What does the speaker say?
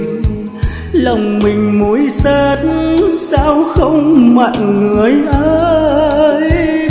lòng mình muối xát sao không mặn người ơi